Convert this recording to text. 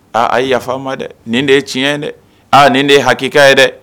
Aa a ye yafa n ma dɛ , nin de ye tiɲɛ ye dɛ, aa nin de ye hakika ye dɛ.